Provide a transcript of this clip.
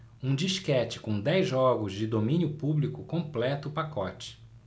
um disquete com dez jogos de domínio público completa o pacote